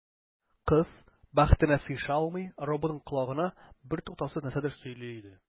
Кыз, бәхетенә сыеша алмый, роботның колагына бертуктаусыз нәрсәдер сөйли иде.